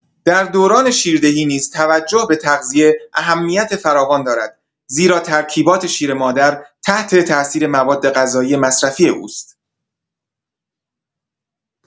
در دوران شیردهی نیز توجه به تغذیه اهمیت فراوان دارد، زیرا ترکیبات شیر مادر تحت‌تأثیر موادغذایی مصرفی اوست.